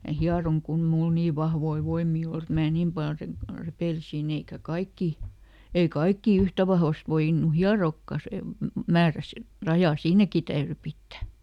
minä hieroin kun ei minulla niin vahvoja voimia ole että minä niin paljon - repeilisin eikä kaikki ei kaikki yhtä vahvasti voinut hieroakaan - määrä - raja siinäkin täytyi pitää